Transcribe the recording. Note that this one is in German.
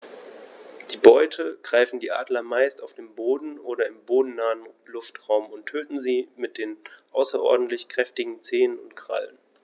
Die Beute greifen die Adler meist auf dem Boden oder im bodennahen Luftraum und töten sie mit den außerordentlich kräftigen Zehen und Krallen.